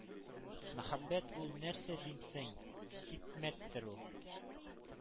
Мәхәббәт ул нәрсә димсең? Хикмәттер ул –